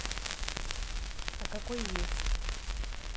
а какой есть